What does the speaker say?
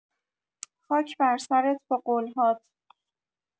خاک برسرت با قول‌هات